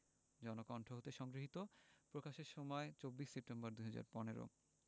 জনকণ্ঠ হতে সংগৃহীত প্রকাশের সময় ২৪ সেপ্টেম্বর ২০১৫